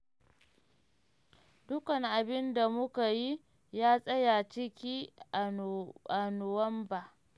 “Dukkan abin da muka yi ya tsaya ciki a Nuwamba.